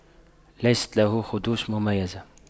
ليست له خدوش مميزة